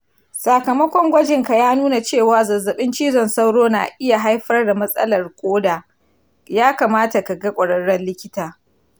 sakamakon gwajin ka ya nuna cewa zazzaɓin cizon sauro na iya haifar da matsalar koda, ya kamata ka ga ƙwararren likita.